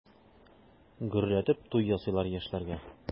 Гөрләтеп туй ясыйлар яшьләргә.